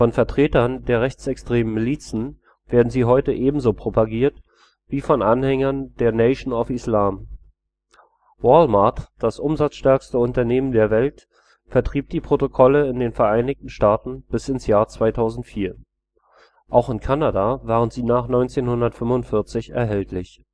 Vertretern der rechtsextremen Milizen werden sie heute ebenso propagiert wie von Anhängern der Nation of Islam. Wal-Mart, das umsatzstärkste Unternehmen der Welt, vertrieb die Protokolle in den Vereinigten Staaten bis ins Jahr 2004. Auch in Kanada waren sie nach 1945 erhältlich